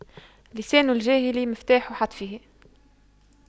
لسان الجاهل مفتاح حتفه